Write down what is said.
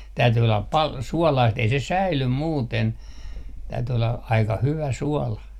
täytyi olla paljon suolaista ei se säily muuten täytyi olla aika hyvä suola